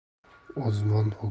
ozman ho'kiz o'zidan